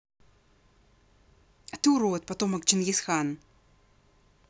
а ты урод потомок dschinghis khan